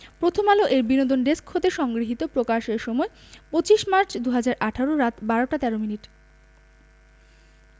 প্রথমআলো এর বিনোদন ডেস্ক হতে সংগৃহীত প্রকাশের সময় ২৫মার্চ ২০১৮ রাত ১২ টা ১৩ মিনিট